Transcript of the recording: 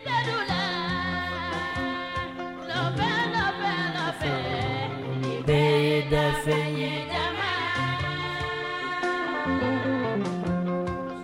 Denunɛlɔfɛfɛ fɛ den den laban